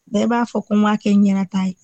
Bɛɛ b'a fɔ koma kɛ ɲ ta ye